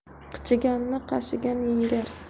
qichiganni qashigan yengar